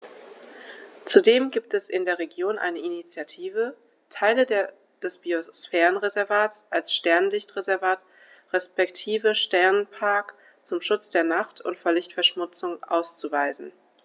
Zudem gibt es in der Region eine Initiative, Teile des Biosphärenreservats als Sternenlicht-Reservat respektive Sternenpark zum Schutz der Nacht und vor Lichtverschmutzung auszuweisen.